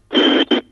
Wa